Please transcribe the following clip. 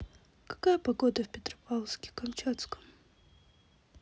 какая погода в петропавловске камчатском